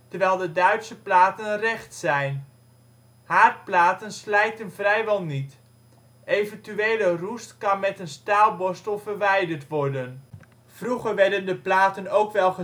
terwijl de Duitse platen recht zijn. Haardplaten slijten vrijwel niet. Eventuele roest kan met een staalborstel verwijderd worden. Vroeger werden de platen ook wel